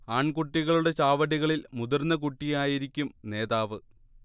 ആൺകുട്ടികളുടെ ചാവടികളിൽ മുതിർന്ന കുട്ടിയായിരിക്കും നേതാവ്